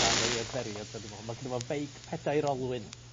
rhan o'i adferiad yy dw' me'wl ma' gynno fo feic pedair olwyn.